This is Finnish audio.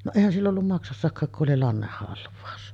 no eihän sillä ollut maksassakaan kun oli lannehalvaus